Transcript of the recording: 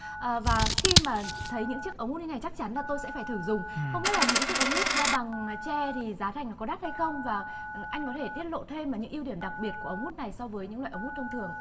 ờ và khi mà thấy những chiếc ống hút như ngày chắc chắn là tôi sẽ phải thử dùng không biết là những chiếc ống hút đã bằng tre thì giá thành có đắt hay không và anh có thể tiết lộ thêm những ưu điểm đặc biệt của ống hút này so với những loại ống hút thông thường